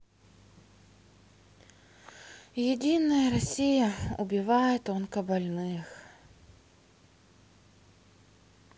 единая россия убивает онкобольных